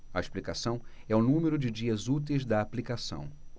a explicação é o número de dias úteis da aplicação